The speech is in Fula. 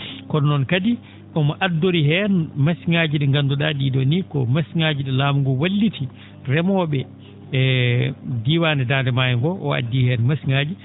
kono noon kadi omo addori heen machine ?aaji ?i ngandu?aa ?ii?oo ni ko machuine ?aaji ?i laamu ngu walli remoo?e e diiwaan e Daande Maayo ngo o addi heen machine ?aaji